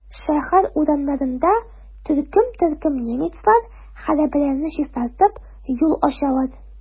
Шәһәр урамнарында төркем-төркем немецлар хәрабәләрне чистартып, юл ачалар.